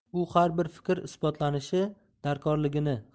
u har bir fikr isbotlanishi darkorligini